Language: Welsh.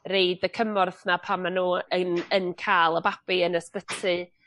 roid y cymorth 'na pan ma' n'w yn yn ca'l y babi yn ysbyty.